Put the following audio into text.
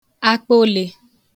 akpọ òle